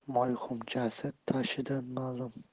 moy xumchasi tashidan ma'lum